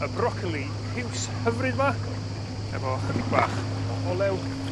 y brocoli piws hyfryd 'ma efo chydig bach o olew,